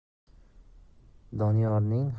doniyorning hali boshlagan kuyini yana